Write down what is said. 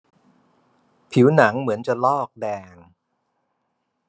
ผิวหนังเหมือนจะลอกแดง